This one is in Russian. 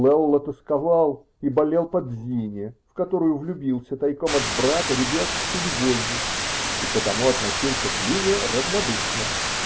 Лелло тосковал и болел по Дзине, в которую влюбился тайком от брата ребяческой любовью, и потому относился к Лине равнодушно.